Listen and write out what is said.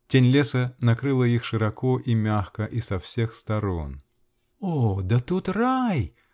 Тень леса накрыла их широко и мягко, и со всех сторон. -- О, да тут рай!